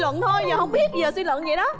luận thôi giờ hông biết giờ suy luận dậy đó